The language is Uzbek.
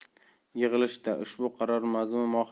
yig'ilishda ushbu qaror mazmun